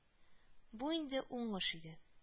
Бу инде уңыш иде